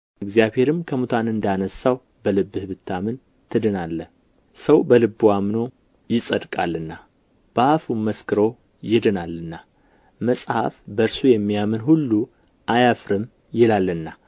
እግዚአብሔርም ከሙታን እንዳስነሣው በልብህ ብታምን ትድናለህና ሰው በልቡ አምኖ ይጸድቃልና በአፉም መስክሮ ይድናልና መጽሐፍ በእርሱ የሚያምን ሁሉ አያፍርም ይላልና